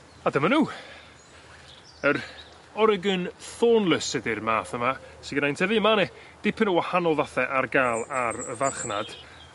A dyma n'w. yr Oregon thornless ydi'r math yma sy gynnai'n tyfu ma' 'ne dipyn o wahanol fathe ar ga'l ar y farchnad